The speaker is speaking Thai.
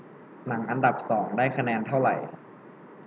หนังอันดับสองได้คะแนนเท่าไหร่